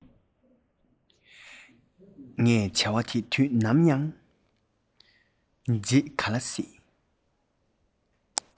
ངས བྱ བ དེ དུས ནམ ཡང བརྗེད ག ལ སྲིད